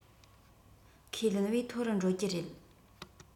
ཁས ལེན བས མཐོ རུ འགྲོ རྒྱུ རེད